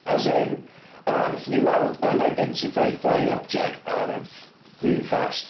As in, o wnaethon ni weld unidentified flying object, a oeddo'n ff- rili fast.